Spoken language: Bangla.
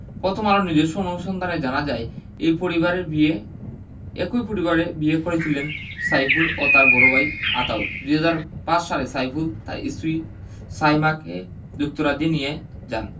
প্রথম আলোর নিজস্ব অনুসন্ধানে জানা যায় এই পরিবারের বিয়ে একই পরিবারে বিয়ে করেছিলেন সাইফুল ও তাঁর বড় ভাই আতাউল ২০০৫ সালে সাইফুল তাঁর স্ত্রী সায়মাকে যুক্তরাজ্যে নিয়ে যান